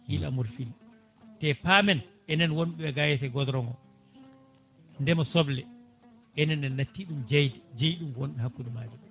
île à morphil te pamen enen wonɓe ga te goudron ndeema soble enen en natti ɗum jeyde jeeyi ɗum ko wonɓe hakkude maaje ɓe